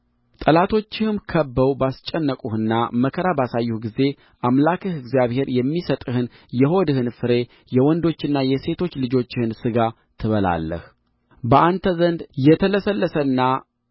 ጠላቶችህም ከብበው ባስጨነቁህና መከራ ባሳዩህ ጊዜ አምላክህ እግዚአብሔር የሚሰጥህን የሆድህን ፍሬ የወንዶችና የሴቶች ልጆችህን ሥጋ ትበላለህ በአንተ ዘንድ የተለሳለሰና